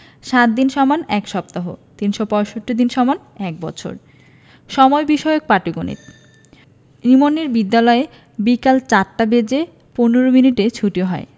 ৭ দিন = ১ সপ্তাহ ৩৬৫ দিন = ১বছর সময় বিষয়ক পাটিগনিতঃ ১০ রিমনের বিদ্যালয় বিকাল ৪ টা বেজে ১৫ মিনিটে ছুটি হয়